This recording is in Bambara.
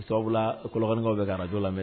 O sababu, la Kɔlɔkanikaw bɛ v radio lamɛn.